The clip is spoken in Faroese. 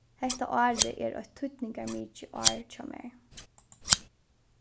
hetta árið er eitt týdningarmikið ár hjá mær